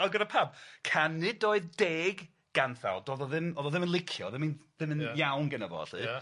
Oedd gynna pawb canid oedd deg ganthaw do'dd o ddim o'dd o ddim yn licio o'dd o ddim yn ddim yn iawn geno fo 'lly. Ia.